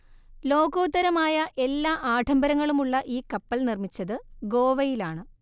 ലോകോത്തരമായ എല്ലാ ആഡംബരങ്ങളുമുള്ള ഈ കപ്പൽ നിർമ്മിച്ചത് ഗോവയിലാണ്